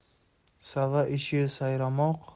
sa'va ishi sayramoq